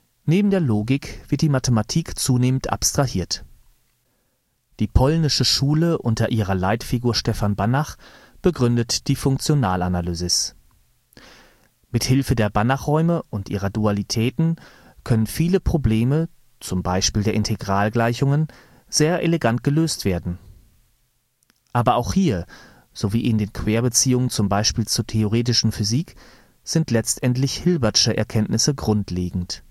Neben der Logik wird die Mathematik zunehmend abstrahiert. Die polnische Schule unter ihrer Leitfigur Stefan Banach begründet die Funktionalanalysis. Mit Hilfe der Banachräume und ihrer Dualitäten können viele Probleme, zum Beispiel der Integralgleichungen, sehr elegant gelöst werden. Aber auch hier - sowie in den Querbeziehungen z.B. zur Theoretischen Physik - sind letztlich Hilbert'sche Erkenntnisse grundlegend